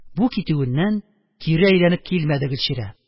Бу китүеннән кире әйләнеп килмәде Гөлчирә